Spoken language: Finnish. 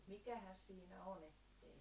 mikähän siinä on että ei ne